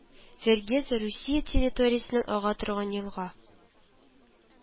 Вергеза Русия территориясеннән ага торган елга